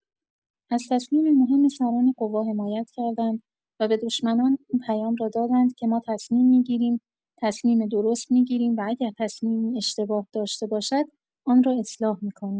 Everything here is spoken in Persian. از تصمیم مهم سران قوا حمایت کردند و به دشمنان این پیام را دادند که ما تصمیم می‌گیریم، تصمیم درست می‌گیریم و اگر تصمیمی اشتباه داشته باشد، آن را اصلاح می‌کنیم.